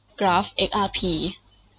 กราฟเอ็กอาร์พี